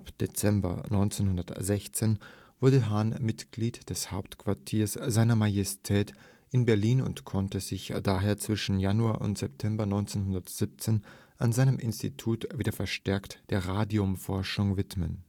Dezember 1916 wurde Hahn Mitglied des ‚ Hauptquartiers Seiner Majestät ‘in Berlin und konnte sich daher zwischen Januar und September 1917 an seinem Institut wieder verstärkt der Radiumforschung widmen